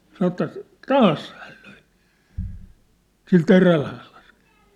sanoi että taas hän löi sillä terällä hän -